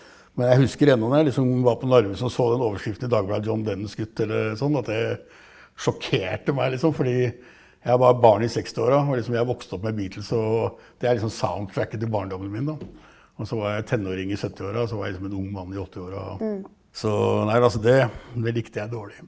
men jeg husker ennå når jeg liksom var på Narvesen og så den overskriften i Dagbladet, John Lennon skutt eller sånn, at det sjokkerte meg liksom fordi jeg var barn i sekstiåra og liksom jeg har vokst opp med Beatles og det er liksom soundtracket til barndommen min da, også var jeg tenåring i syttiåra så var jeg liksom en ung mann i åttiåra så nei da altså det det likte jeg dårlig.